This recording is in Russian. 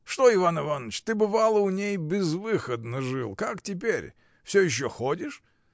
Что, Иван Иваныч: ты, бывало, у ней безвыходно жил! Как теперь: всё еще ходишь?